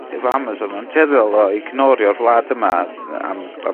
efo Amazon ma'n tueddol o ignorio'r wlad yma yy am am...